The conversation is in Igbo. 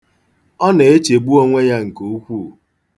Ọ na-echegbu onwe ya nke ukwuu.